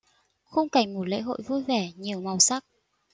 khung cảnh một lễ hội vui vẻ nhiều màu sắc